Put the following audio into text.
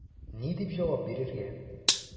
Ни дип җавап бирергә?